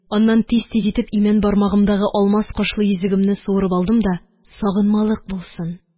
Аннан тиз-тиз итеп имән бармагымдагы алмас1 кашлы йөзегемне суырып алдым да: – Сагынмалык булсын